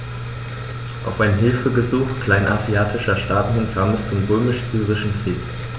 Auf ein Hilfegesuch kleinasiatischer Staaten hin kam es zum Römisch-Syrischen Krieg.